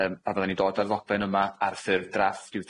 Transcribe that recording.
yym a fyddwn ni'n dod a'r ddogfen yma ar ffurf drafft i'w